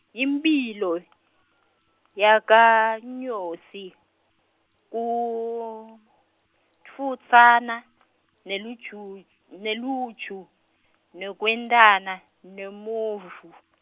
Yimphilo, yakanyosi, kutfutsana , nelujuj-, neluju, nekwentana, nemovu.